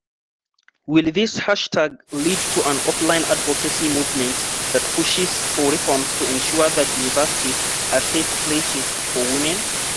Will this hashtag lead to an offline advocacy movement that pushes for reforms to ensure that universities are safe places for women?